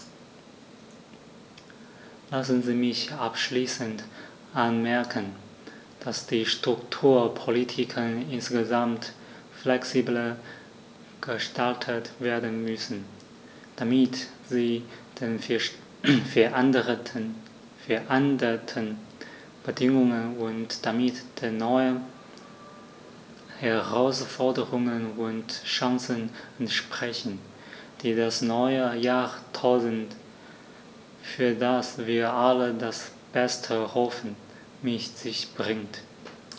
Lassen Sie mich abschließend anmerken, dass die Strukturpolitiken insgesamt flexibler gestaltet werden müssen, damit sie den veränderten Bedingungen und damit den neuen Herausforderungen und Chancen entsprechen, die das neue Jahrtausend, für das wir alle das Beste hoffen, mit sich bringt.